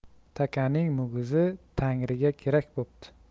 takaning mugizi tangriga kerak bo'pti